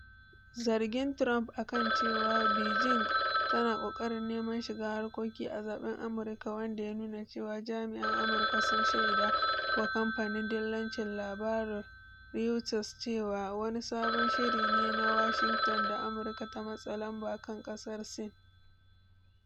Zargin Trump akan cewa Beijing tana kokarin neman shiga harkokin a zaben Amurka wanda ya nuna cewa jami'an Amurka sun shaida wa kamfanin dillancin labarun Reuters cewa, wani sabon shiri ne na Washington da Amurka ta matsa lamba kan kasar Sin.